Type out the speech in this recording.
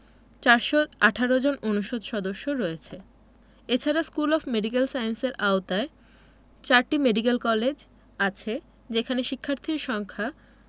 ৪১৮ জন অনুষদ সদস্য রয়েছে এছাড়া স্কুল অব মেডিক্যাল সায়েন্সের আওতায় চারটি মেডিক্যাল কলেজ আছে যেখানে শিক্ষার্থীর সংখ্যা